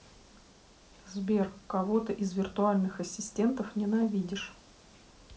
сбер кого то из виртуальных ассистентов ненавидишь